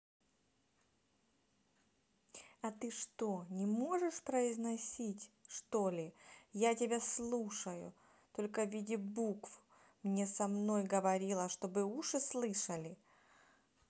а что ты не можешь произносить что ли я тебя слушаю только в виде букв мне со мной говорила чтобы уши слышали